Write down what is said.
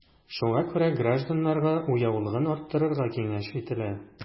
Шуңа күрә гражданнарга уяулыгын арттырыга киңәш ителә.